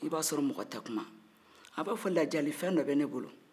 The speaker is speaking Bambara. i b'a sɔrɔ mɔgɔ te kuma a b'a fɔ lajali fɛn dɔ bɛ ne bolo